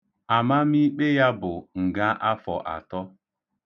Amamiikpe ya bụ nga afọ atọ.